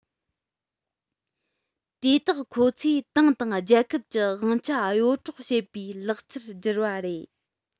དེ དག ཁོ ཚོས ཏང དང རྒྱལ ཁབ ཀྱི དབང ཆ གཡོ འཕྲོག བྱེད པའི ལག ཆར བསྒྱུར པ རེད